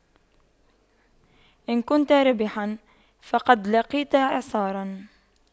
إن كنت ريحا فقد لاقيت إعصارا